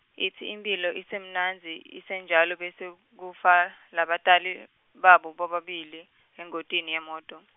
itsi imphilo isemnandzi, isenjalo bese, kufa, labatali, babo bobabili, engotini yemoti.